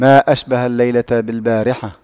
ما أشبه الليلة بالبارحة